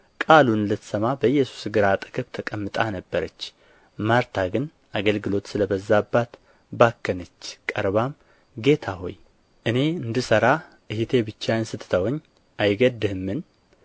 ቃሉን ልትሰማ በኢየሱስ እግር አጠገብ ተቀምጣ ነበረች ማርታ ግን አገልግሎት ስለ በዛባት ባከነች ቀርባም ጌታ ሆይ እኔ እንድሠራ እኅቴ ብቻዬን ስትተወኝ አይገድህምን